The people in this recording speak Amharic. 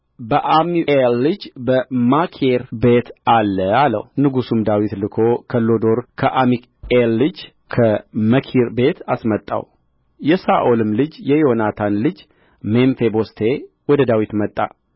በዓሚኤል ልጅ በማኪር ቤት አለ አለው ንጉሡም ዳዊት ልኮ ከሎዶባር ከዓሚኤል ልጅ ከማኪር ቤት አስመጣው የሳኦልም ልጅ የዮናታን ልጅ ሜምፊቦስቴ ወደ ዳዊት መጣ